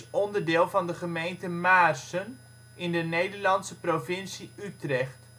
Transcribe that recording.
onderdeel van de gemeente Maarssen, in de Nederlandse provincie Utrecht